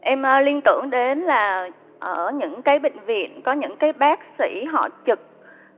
em liên tưởng đến là ở những cái bệnh viện có những cái bác sĩ họ trực